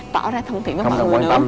tỏ ra thân thiện với mọi người nữa